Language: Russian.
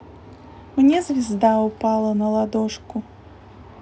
мне звезда упала на ладошку